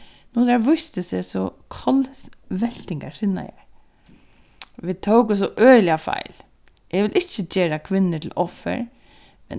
nú teir vístu seg so vit tóku so øgiliga feil eg vil ikki gera kvinnur til offur